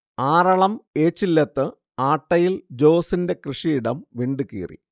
ആറളം ഏച്ചില്ലത്ത് ആട്ടയിൽ ജോസിന്റെ കൃഷിയിടം വിണ്ടുകീറി